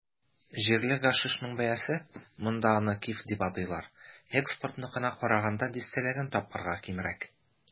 Җирле гашишның бәясе - монда аны "киф" дип атыйлар - экспортныкына караганда дистәләгән тапкырга кимрәк.